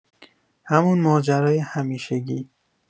همون ماجرای همیشگی.